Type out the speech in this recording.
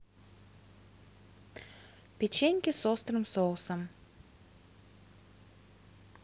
печеньки с острым соусом